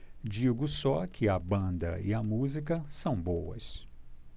digo só que a banda e a música são boas